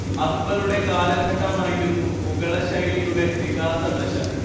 അക്ബറുടെ കാലഘട്ടമായിരുന്നു മുഗളശൈലിയുടെ വികാസദശ